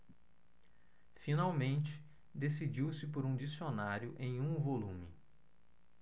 finalmente decidiu-se por um dicionário em um volume